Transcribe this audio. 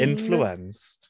Influenced.